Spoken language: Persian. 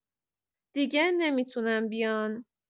دیگه نمی‌تونن بیان.